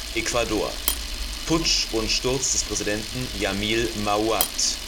Ecuador: Putsch und Sturz des Präsidenten Jamil Mahuad